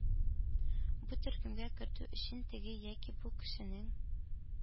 Бу төркемгә кертү өчен теге яки бу кешенең